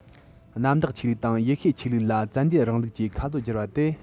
གནམ བདག ཆོས ལུགས དང ཡེ ཤུའི ཆོས ལུགས ལ བཙན རྒྱལ རིང ལུགས ཀྱིས ཁ ལོ བསྒྱུར པ དེ